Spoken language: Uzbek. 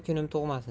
oy kunim tug'masin